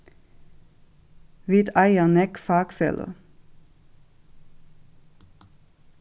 vit eiga nógv fakfeløg